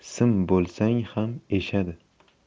sim bo'lsang ham eshadi